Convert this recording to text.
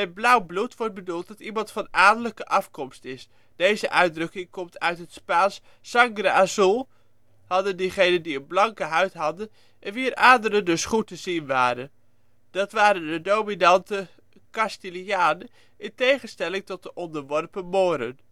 blauw bloed wordt bedoeld dat iemand van adellijke afkomst is. Deze uitdrukking komt uit het Spaans: sangre azul hadden diegenen die een blanke huid hadden en wier aderen dus goed te zien waren. Dat waren de dominante Castilianen, in tegenstelling tot de onderworpen Moren